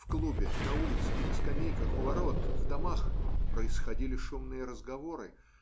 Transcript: в клубе, на улицах, на скамейках у ворот, в домах, происходили шумные разговоры.